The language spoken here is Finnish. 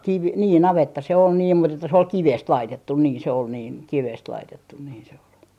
- niin navetta se on niin mutta että se oli kivestä laitettu niin se oli niin kivestä laitettu niin se oli